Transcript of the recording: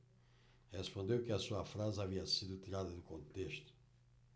respondeu que a sua frase havia sido tirada do contexto